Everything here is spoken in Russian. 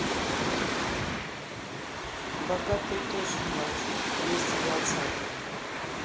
богатые тоже плачут двести двадцатая